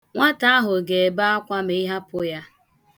Nwata ahụ ga-ebe akwa ma ị hapụ ya.